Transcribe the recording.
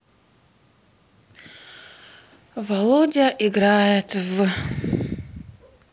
володя играет в